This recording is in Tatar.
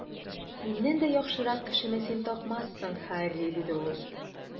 Миннән дә яхшырак кешене син тапмассың, Һарри, - диде ул.